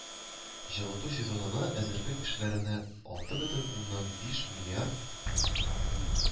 Җылыту сезонына әзерлек эшләренә алты бөтен уннан биш миллиард